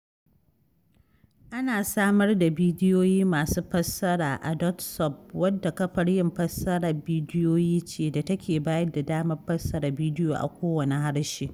Ana samar da bidiyoyi masu fassara a dotSUB, wadda kafar yin fassarar bidiyoyi ce da take bayar da damar fassara bidiyo a kowane harshe.